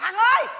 hằng ơi